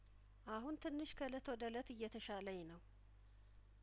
አሁን ትንሽ ከእለት ወደ እለት እየተሻለኝ ነው